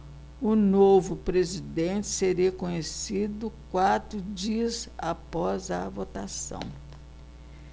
o novo presidente seria conhecido quatro dias após a votação